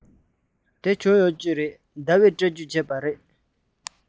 དེ བྱུང ཡོད ཀྱི རེད ཟླ བས སྤྲོད རྒྱུ བྱས པ རེད